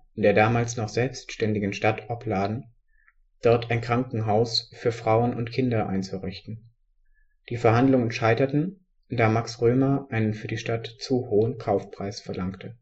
der damals noch selbständigen Stadt Opladen, dort ein Krankenhaus für Frauen und Kinder einzurichten. Die Verhandlungen scheiterten, da Max Römer einen für die Stadt zu hohen Kaufpreis verlangte